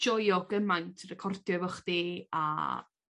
joio gymaint recordio efo chdi a